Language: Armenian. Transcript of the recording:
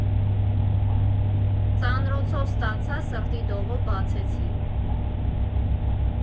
Ծանրոցով ստացա, սրտի դողով բացեցի…